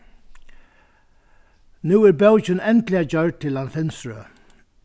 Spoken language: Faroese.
nú er bókin endiliga gjørd til eina filmsrøð